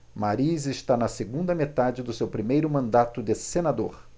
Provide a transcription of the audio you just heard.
mariz está na segunda metade do seu primeiro mandato de senador